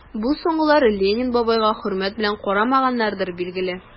Бу соңгылар Ленин бабайга хөрмәт белән карамаганнардыр, билгеле...